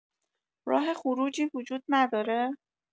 راه خروجی وجود نداره؟